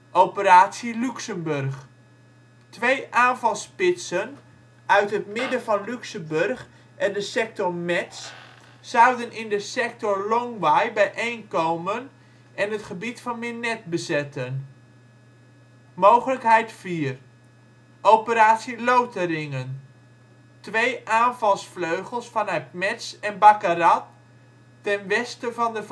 Operatie Luxemburg. Twee aanvalsspitsen uit het midden van Luxemburg en de sector Metz zouden in de sector Longwy bijeenkomen en het gebied van Minette bezetten. Mogelijkheid 4 Operatie Lotharingen. Twee aanvalsvleugels vanuit Metz en Baccarat (ten westen van de